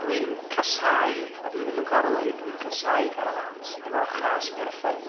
Dwi'n casàu, a dwi ddim yn gorddeud, dwi'n casàu carafáns efo chas perffaith.